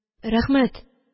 Рәхмәт